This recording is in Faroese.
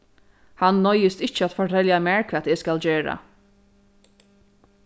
hann noyðist ikki at fortelja mær hvat eg skal gera